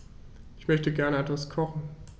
Ich möchte gerne etwas kochen.